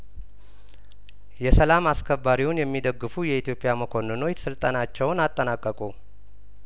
የሰላም አስከባሪውን የሚደግፉ የኢትዮፕያመኮንኖች ስልጠናቸውን አጠናቀቁ